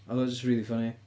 Oedd o jyst rili funny